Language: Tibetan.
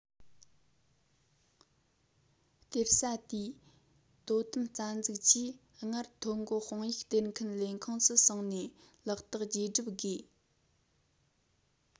སྤེལ ས དེའི དོ དམ རྩ འཛུགས ཀྱིས སྔར ཐོ བཀོད དཔང ཡིག སྟེར མཁན ལས ཁུངས སུ སོང ནས ལག རྟགས བརྗེ སྒྲུབ དགོས